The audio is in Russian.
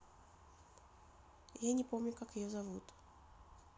я не помню как ее зовут